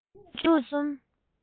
འགྲོ འདུག སྤྱོད གསུམ